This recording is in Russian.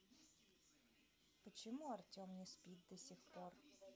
почему артем не спит до сих пор